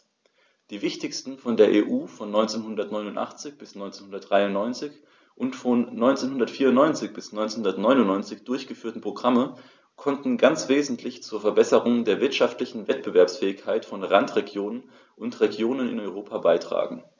Die wichtigsten von der EU von 1989 bis 1993 und von 1994 bis 1999 durchgeführten Programme konnten ganz wesentlich zur Verbesserung der wirtschaftlichen Wettbewerbsfähigkeit von Randregionen und Regionen in Europa beitragen.